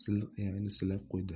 silliq iyagini silab qo'ydi